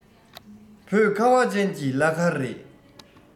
བོད ཁ བ ཅན གྱི བླ མཁར རེད